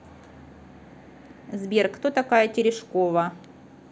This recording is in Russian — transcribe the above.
сбер кто такая терешкова